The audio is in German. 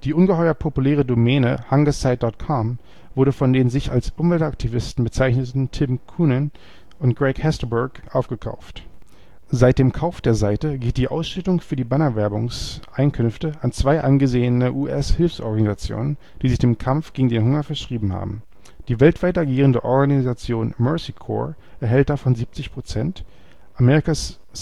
ungeheuer populäre Domäne Hungersite.com wurde von den sich als Umweltaktivisten bezeichnenden Tim Kunin und Greg Hesterberg aufgekauft. Seit dem Kauf der Seite geht die Ausschüttung für die Bannerwerbungs-Einkünfte an zwei angesehene US-Hilfsorganisationen, die sich dem Kampf gegen den Hunger verschrieben haben. Die weltweit agierende Organisation Mercy Corps erhält davon 70 Prozent, America 's Second Harvest